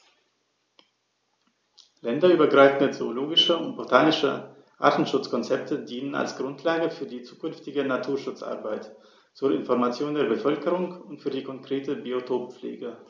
Länderübergreifende zoologische und botanische Artenschutzkonzepte dienen als Grundlage für die zukünftige Naturschutzarbeit, zur Information der Bevölkerung und für die konkrete Biotoppflege.